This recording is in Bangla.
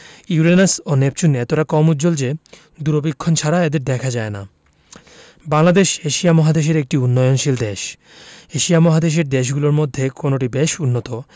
ইউরেনাস ও নেপচুন এতটা কম উজ্জ্বল যে দূরবীক্ষণ ছাড়া এদের দেখা যায় না বাংলাদেশ এশিয়া মহাদেশের একটি উন্নয়নশীল দেশ এশিয়া মহাদেশের দেশগুলোর মধ্যে কোনটি বেশ উন্নত